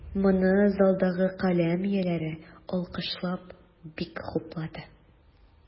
Моны залдагы каләм ияләре, алкышлап, бик хуплады.